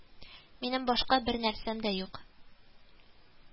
Минем башка бер нәрсәм дә юк